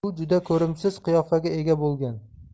u juda ko'rimsiz qiyofaga ega bo'lgan